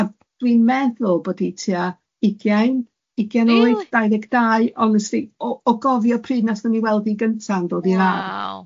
A dwi'n meddwl bod hi tua ugain ugain oed... Rili?... dau ddeg dau onestli o o gofio pryd nathon ni weld hi gynta yn dod i'r ardd.